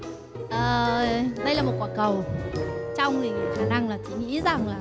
à đây là một quả cầu trong thì khả năng là chị nghĩ rằng là